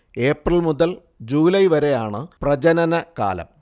April മുതൽ July വരെയാണ് പ്രജനന കാലം